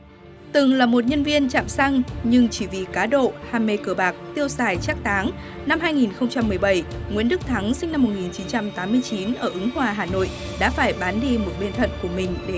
từng là một nhân viên trạm xăng nhưng chỉ vì cá độ ham mê cờ bạc tiêu xài trác táng năm hai nghìn không trăm mười bảy nguyễn đức thắng sinh năm một nghìn chín trăm tám mươi chín ở ứng hòa hà nội đã phải bán đi một bên thận của mình để